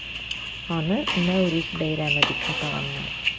Аны Нәүрүз бәйрәме дип атаганнар.